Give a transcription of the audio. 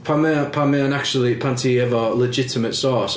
pan mae o pan mae o'n achsyli... pan ti efo legitimate source